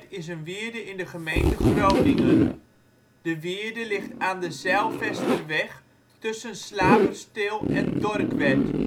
is een wierde in de gemeente Groningen. De wierde ligt aan de Zijlvesterweg, tussen Slaperstil en Dorkwerd